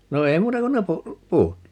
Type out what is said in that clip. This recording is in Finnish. no ei muuta kuin ne - puut